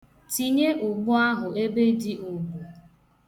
Tinye ụgbụ ahụ ebe dị ogbu.